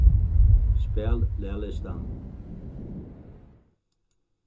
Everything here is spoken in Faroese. spæl laglistan